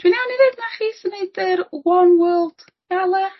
dwi'n iawn i deud na chi sy'n neud yr One World galw e